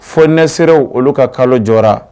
Fɔ ne sera olu ka kalo jɔ